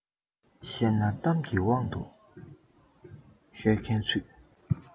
བཤད ན གཏམ གྱི དབང དུ ཤོད མཁན ཚུད